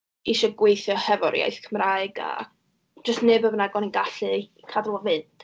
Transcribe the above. isio gweithio hefo'r iaith Cymraeg a jyst wneud be bynnag o'n i'n gallu cadw fy fynd.